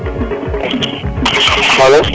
alo